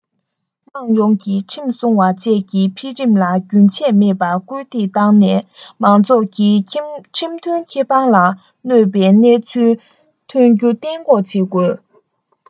དམངས ཡོངས ཀྱིས ཁྲིམས སྲུང བ བཅས ཀྱི འཕེལ རིམ ལ རྒྱུན ཆད མེད པར སྐུལ འདེད བཏང ནས མང ཚོགས ཀྱི ཁྲིམས མཐུན ཁེ དབང ལ གནོད པའི གནས ཚུལ ཐོན རྒྱུ གཏན འགོག བྱེད དགོས